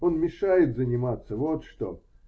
Он мешает заниматься, вот что.